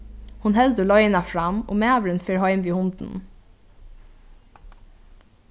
hon heldur leiðina fram og maðurin fer heim við hundinum